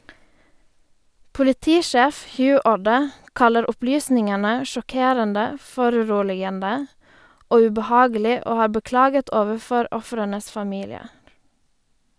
Politisjef Hugh Orde kaller opplysningene «sjokkerende, foruroligende og ubehagelig», og har beklaget overfor ofrenes familier.